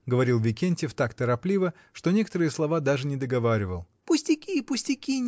— говорил Викентьев так торопливо, что некоторые слова даже не договаривал. — Пустяки, пустяки!